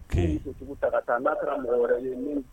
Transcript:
Ko o ta taa n'a kɛra mɔgɔ wɛrɛ ye min